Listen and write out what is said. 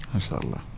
macha allah